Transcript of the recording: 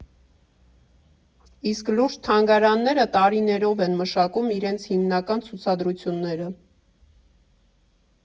Իսկ լուրջ թանգարանները տարիներով են մշակում իրենց հիմնական ցուցադրությունները։